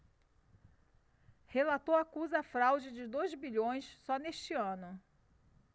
relator acusa fraude de dois bilhões só neste ano